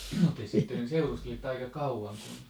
te sitten seurustelitte aika kauan kun